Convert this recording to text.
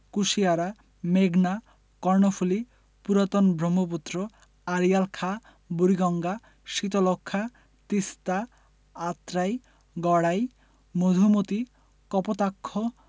কুশিয়ারা মেঘনা কর্ণফুলি পুরাতন ব্রহ্মপুত্র আড়িয়াল খাঁ বুড়িগঙ্গা শীতলক্ষ্যা তিস্তা আত্রাই গড়াই মধুমতি কপোতাক্ষ